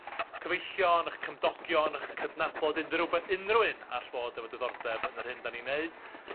cyfeillion, 'ych cymdogion, 'ych cydnabod unrhywbe- unrhywun all fod efo diddordeb yn yr hyn 'dan ni'n neud